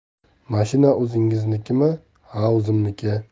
mashina o'zingiznikimi ha o'zimniki